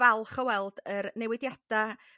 falch o weld yr newidiada'